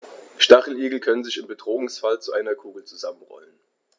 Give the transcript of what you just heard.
Stacheligel können sich im Bedrohungsfall zu einer Kugel zusammenrollen.